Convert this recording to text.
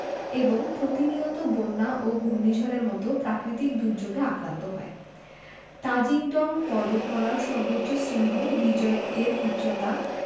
এবং প্রতিনিয়ত বন্যা ও ঘূর্ণিঝড়ের মতো প্রাকৃতিক দুর্যোগে আক্রান্ত হয় তাজিং ডং পর্বতমালার সর্বোচ্চ শৃঙ্গ বিজয় এর উচ্চতা